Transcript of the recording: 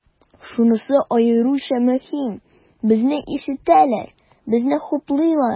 Шунысы аеруча мөһим, безне ишетәләр, безне хуплыйлар.